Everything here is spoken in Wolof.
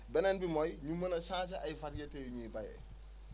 beneen bi mooy ñu mën a chnagé ay variétés yu ñuy béyee